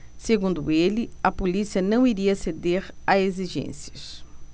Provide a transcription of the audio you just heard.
segundo ele a polícia não iria ceder a exigências